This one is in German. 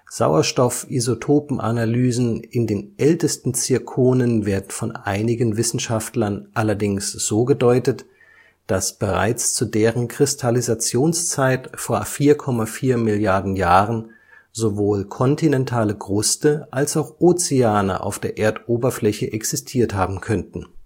Sauerstoffisotopenanalysen in den ältesten Zirkonen werden von einigen Wissenschaftlern allerdings so gedeutet, dass bereits zu deren Kristallisationszeit vor 4,4 Milliarden Jahren sowohl kontinentale Kruste als auch Ozeane auf der Erdoberfläche existiert haben könnten